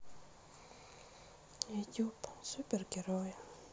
ютуб супергерои